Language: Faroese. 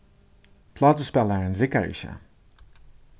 plátuspælarin riggar ikki